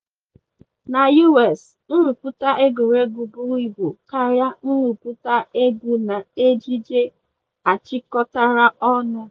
Na US, nrụpụta egwuregwu buru ibu karịa nrụpụta egwu na ejije achịkọtara ọnụ.